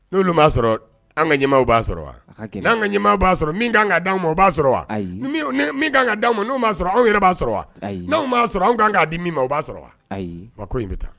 N'olu m'a sɔrɔ an ŋa ɲɛmaaw b'a sɔrɔ wa a ka gɛlɛn n'an ka ɲɛmaa b'a sɔrɔ min kaan ka d'anw ma o b'a sɔrɔ wa ayi ni min o ni min kaan ka d'anw ma n'o m'a sɔrɔ anw yɛrɛ b'a sɔrɔ wa ayii n'anw m'a sɔrɔ anw kaan k'a di min ma o b'a sɔrɔ wa ayi wa ko in bɛ tan